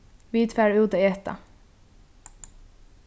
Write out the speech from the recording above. vit fara út at eta